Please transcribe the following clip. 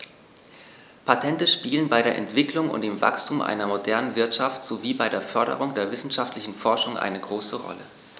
Patente spielen bei der Entwicklung und dem Wachstum einer modernen Wirtschaft sowie bei der Förderung der wissenschaftlichen Forschung eine große Rolle.